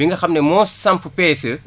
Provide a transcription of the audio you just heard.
bi nga xam ne moo samp PSE